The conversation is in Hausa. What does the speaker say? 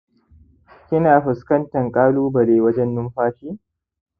kina fuskantan kalubale wajen numfashin?